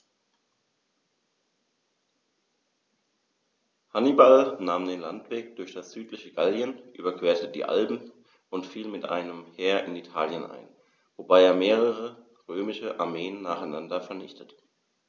Hannibal nahm den Landweg durch das südliche Gallien, überquerte die Alpen und fiel mit einem Heer in Italien ein, wobei er mehrere römische Armeen nacheinander vernichtete.